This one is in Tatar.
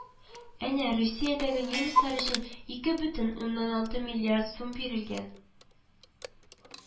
Әнә Русиядәге немецлар өчен ике бөтен уннан алты миллиард сум бирелгән